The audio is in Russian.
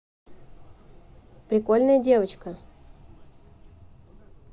прикольная девочка